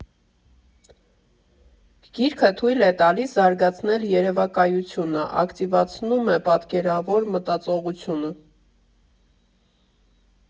Գիրքը թույլ է տալիս զարգացնել երևակայությունը, ակտիվացնում է պատկերավոր մտածողությունը։